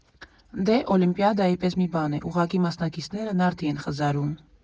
Դե՛, Օլիմպիադայի պես մի բան է, ուղղակի մասնակիցները նարդի են խզարում։